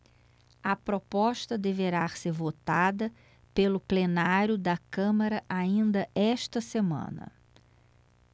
a proposta deverá ser votada pelo plenário da câmara ainda nesta semana